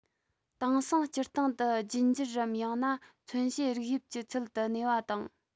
དེང སང སྤྱིར བཏང དུ རྒྱུད འགྱུར རམ ཡང ན མཚོན བྱེད རིགས དབྱིབས ཀྱི ཚུལ དུ གནས པ དང